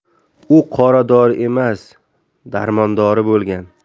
u qora dori emas darmondori bo'lgan